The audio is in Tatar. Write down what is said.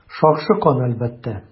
Шакшы кан, әлбәттә.